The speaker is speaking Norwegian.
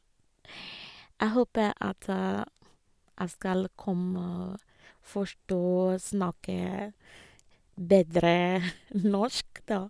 Jeg håper at jeg skal komme forstå, snakke bedre norsk, da.